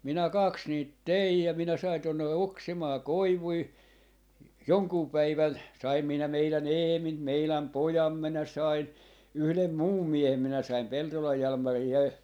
minä kaksi niitä tein ja minä sain tuonne oksimaan koivuja jonkun päivän sain minä meidän Eemin meidän pojan minä sain yhden muun miehen minä sain Peltolan Jalmarin ja